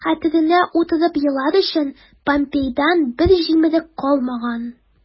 Хәтеренә утырып елар өчен помпейдан бер җимерек калмаган...